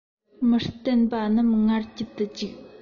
མུ སྟེགས པ རྣམས ང རྒྱལ དུ བཅུག